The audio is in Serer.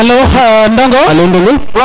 alo Ndongo